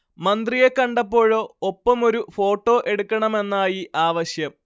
മന്ത്രിയെ കണ്ടപ്പോഴോ ഒപ്പമൊരു ഫോട്ടോ എടുക്കണമെന്നായി ആവശ്യം